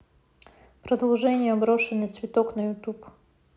продолжение брошенный цветок на ютуб